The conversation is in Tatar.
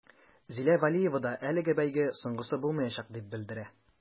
Зилә вәлиева да әлеге бәйге соңгысы булмаячак дип белдерә.